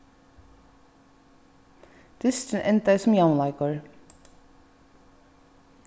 dysturin endaði sum javnleikur